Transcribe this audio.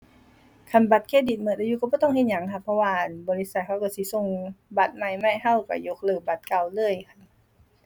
คันบัตรเครดิตหมดอายุหมดบ่ต้องเฮ็ดหยังค่ะ เพราะว่า อั่น บริษัทเขาหมดสิส่งบัตรใหม่มาให้หมด หมดยกเลิกบัตรเก่าเลยค่ะ